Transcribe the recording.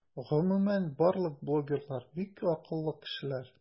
Гомумән барлык блогерлар - бик акыллы кешеләр.